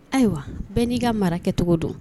Ayiwa bɛɛ n'i ka mara kɛcogo don